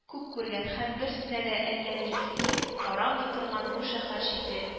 Күп күргән һәм берсенә дә әллә ни исе китеп карамый торган бу шәһәр чите